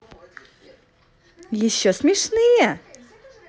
еще смешные